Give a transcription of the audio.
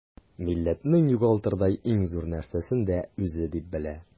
Милләтнең югалтырдай иң зур нәрсәсен дә үзе дип белә.